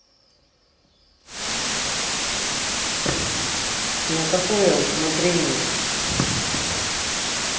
на какое усмотрение